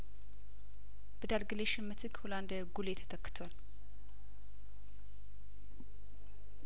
በዳልግሊሽም ምትክ ሆላንዳዊው ጉሌት ተተክቷል